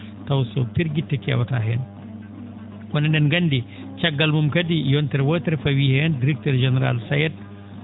taw so pergitte kewataa heen kono e?en ngandi caggal mum kadi yontere wootere fawii heen directeur général SAED